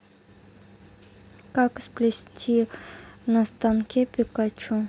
как сплести на станке пикачу